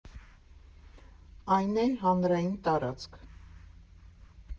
Այն է՝ հանրային տարածք։